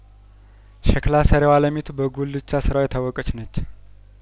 ሸክላ ሰሪዋ አለሚ ቱ በጉልቻ ስራዋ የታወቀችነች